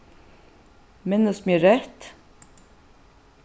minnist meg rætt